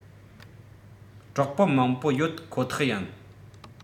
གྲོགས པོ མང པོ ཡོད ཁོ ཐག ཡིན